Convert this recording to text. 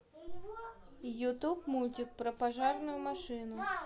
ютуб мультик про пожарную машину